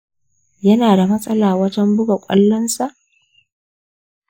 yana da matsala wajen buga ƙwallonsa